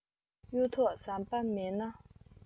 གཡུ ཐོག ཟམ པ མེད ན